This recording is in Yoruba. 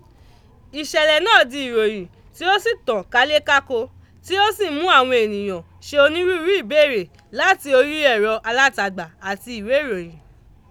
Ìṣẹ̀lẹ̀ náà di ìròyìn tí ó sì tàn kálékáko, tí ó sì ń mú àwọn ènìyàn ṣe onírúurú ìbéèrè láti orí ẹ̀rọ alátagbà àti ìwé ìròyìn.